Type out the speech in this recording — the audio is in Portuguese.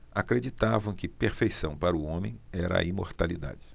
acreditavam que perfeição para o homem era a imortalidade